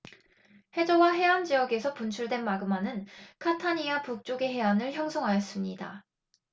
해저와 해안 지역에서 분출된 마그마는 카타니아 북쪽의 해안을 형성하였습니다